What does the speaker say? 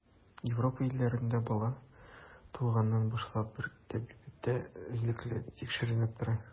Европа илләрендә бала, туганнан башлап, бер табибта эзлекле тикшеренеп тора.